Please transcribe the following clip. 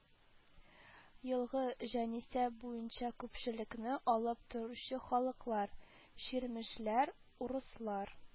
Елгы җанисәп буенча күпчелекне алып торучы халыклар: чирмешләр , урыслар